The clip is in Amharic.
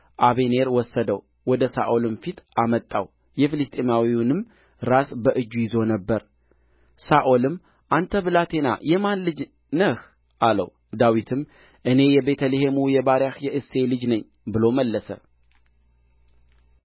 አበኔር ወሰደው ወደ ሳኦልም ፊት አመጣው የፍልስጥኤማዊውንም ራስ በእጁ ይዞ ነበር ሳኦልም አንተ ብላቴና የማን ልጅ ነህ አለው ዳዊትም እኔ የቤተ ልሔሙ የባሪያህ የእሴይ ልጅ ነኝ ብሎ መለሰ